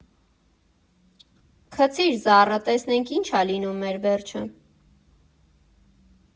Գցի՛ր զառը՝ տեսնենք, ինչ ա լինում մեր վերջը.